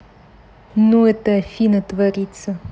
ну это афина творится